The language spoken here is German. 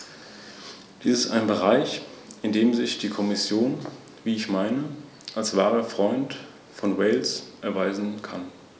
Wir hoffen, dass uns die Kommission davon überzeugen kann, dass es sich dabei lediglich um ein Versehen handelt, das umgehend korrigiert wird.